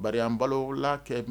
Bari an baloola kɛ